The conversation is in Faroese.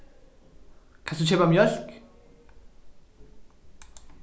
kanst tú keypa mjólk